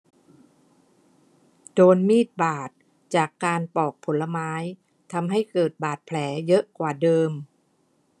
โดนมีดบาดจากการปอกผลไม้ทำให้เกิดบาดแผลเยอะกว่าเดิม